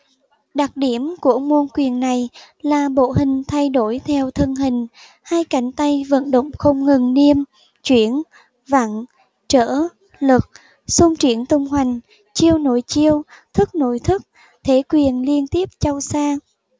đặc điểm của môn quyền này là bộ hình thay đổi theo thân hình hai cánh tay vận động không ngừng niêm chuyển vặn trở lật xung triển tung hoành chiêu nối chiêu thức nối thức thế quyền liên tiếp châu sa